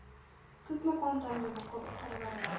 Күпме кан тамды бу кырларга.